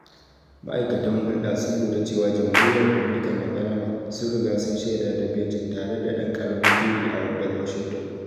Ma’aikatan hulɗa sun lura cewa Jamhuriryar Dominican da Panama sun riga sun shaida da Beijing, tare da ɗan karamin turi daga Washington.